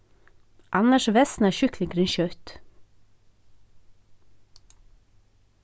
annars versnar sjúklingurin skjótt